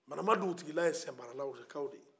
banamba dugutigila ye sɛmparala kaw de ye